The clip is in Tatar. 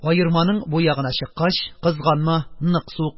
Аерманың бу ягына чыккач, кызганма, нык сук!